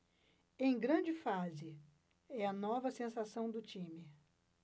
em grande fase é a nova sensação do time